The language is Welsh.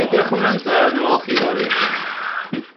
Hey diolch am wrando a 'nai wel' chi fory.